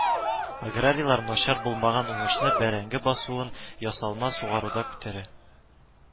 Аграрийлар начар булмаган уңышны бәрәңге басуын ясалма сугаруда күрә